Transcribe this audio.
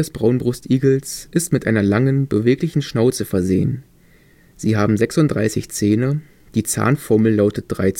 Braunbrustigels ist mit einer langen, beweglichen Schnauze versehen. Sie haben 36 Zähne, die Zahnformel lautet 3/2-1/1-3/2-3/3